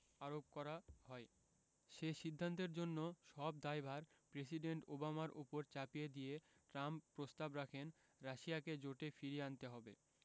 আরোপ করা হয় সে সিদ্ধান্তের জন্য সব দায়ভার প্রেসিডেন্ট ওবামার ওপর চাপিয়ে দিয়ে ট্রাম্প প্রস্তাব রাখেন রাশিয়াকে জোটে ফিরিয়ে আনতে হবে